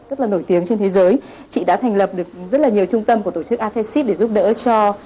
rất là nổi tiếng trên thế giới chị đã thành lập được rất là nhiều trung tâm của tổ chức a phe xít để giúp đỡ cho